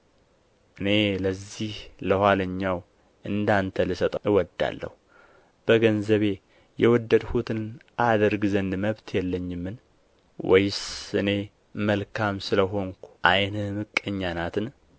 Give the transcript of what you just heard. እኔ ለዚህ ለኋለኛው እንደ አንተ ልሰጠው እወዳለሁ በገንዘቤ የወደድሁትን አደርግ ዘንድ መብት የለኝምን ወይስ እኔ መልካም ስለ ሆንሁ ዓይንህ ምቀኛ ናትን